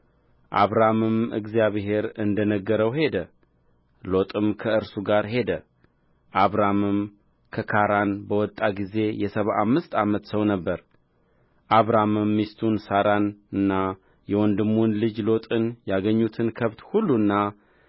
አብራምም እግዚአብሔር እንደ ነገረው ሄደ ሎጥም ከእርሱ ጋር ሄደ አብራምም ከካራን በወጣ ጊዜ የሰባ አምስት ዓመት ሰው ነበረ አብራምም ሚስቱን ሦራንና የወንድሙን ልጅ ሎጥን ያገኙትን ከብት ሁሉና